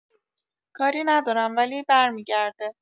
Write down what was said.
کاری ندارم ولی برمی‌گرده